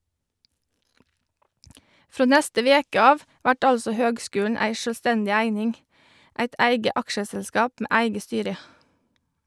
Frå neste veke av vert altså høgskulen ei sjølvstendig eining, eit eige aksjeselskap med eige styre.